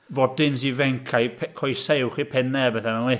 Fodins ifainc a'i pe- coesau uwch ei pennau a bethau fel 'ny.